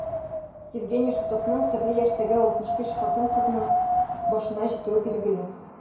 Евгений Шутовның төрле яшьтәге 65 хатын-кызның башына җитүе билгеле.